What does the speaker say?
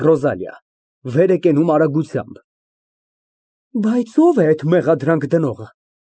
ՌՈԶԱԼԻԱ ֊ (Վեր է կենում արագությամբ) Բայց ո՞վ է այդ մեղադրանք դնողը։